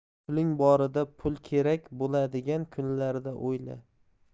puling borida pul kerak bo'ladigan kunlarni o'yla